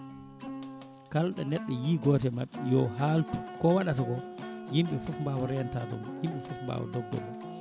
kaal ɗo neɗɗo yo goto e mabɓe yo haaltu ko waɗata ko yimɓe foof mbawa rentademo yimɓe foof mbawa dogdemo